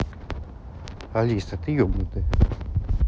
алиса ты ебнутая